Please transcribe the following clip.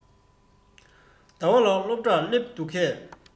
ཟླ བ ལགས སློབ གྲྭར སླེབས འདུག གས